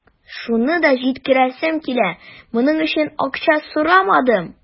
Шуны да җиткерәсем килә: моның өчен акча сорамадым.